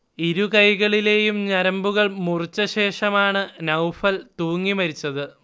ഇരു കൈകളിലെയും ഞരമ്പുകൾ മുറിച്ചശേഷമാണു നൗഫൽ തൂങ്ങിമരിച്ചത്